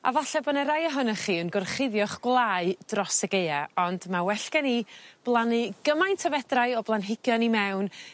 A falle bo' 'ne rai ohonoch chi yn gorchuddio'ch gwlai dros y Gaea ond ma' well gen i blannu gymaint â fedrai o blanhigion i mewn